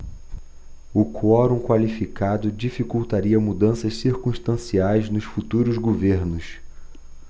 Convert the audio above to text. o quorum qualificado dificultaria mudanças circunstanciais nos futuros governos